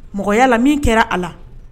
Mɔgɔ yalala min kɛra a la